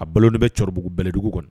A balonen bɛ cɛkɔrɔbabugu bɛlɛdugu kɔnɔ